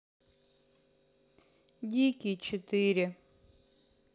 дикий четыре